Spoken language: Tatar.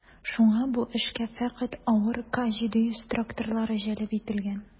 Шуңа бу эшкә фәкать авыр К-700 тракторлары җәлеп ителгән.